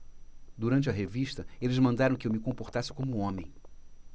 durante a revista eles mandaram que eu me comportasse como homem